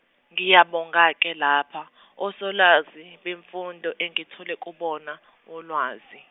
ngiyabonga ke lapha osolwazi bemfundo engithole kubona, ulwazi.